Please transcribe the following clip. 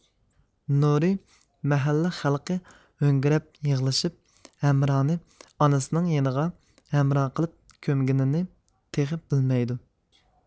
نۇرى مەھەللە خەلقى ھۆڭگىرەپ يىغلىشىپ ھەمرانى ئانىسىنىڭ يېنىغا ھەمراھ قىلىپ كۆمگىنىنى تېخى بىلمەيدۇ